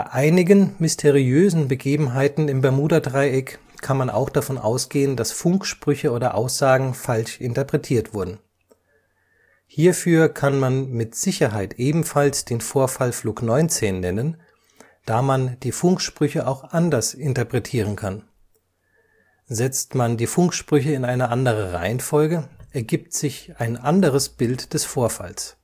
einigen mysteriösen Begebenheiten im Bermudadreieck kann man auch davon ausgehen, dass Funksprüche oder Aussagen falsch interpretiert wurden. Hierfür kann man mit Sicherheit ebenfalls den Vorfall Flug 19 nennen, da man die Funksprüche auch anders interpretieren kann. Setzt man die Funksprüche in eine andere Reihenfolge, ergibt sich ein anderes Bild des Vorfalls